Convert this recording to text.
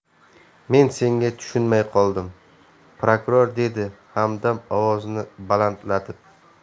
men senga tushunmay qoldim prokuror dedi hamdam ovozini balandlatib